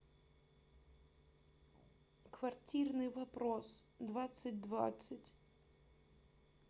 квартирный вопрос двадцать двадцать